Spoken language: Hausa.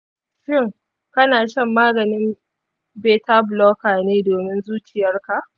shin kana shan maganin beta blocker ne domin zuciyarka?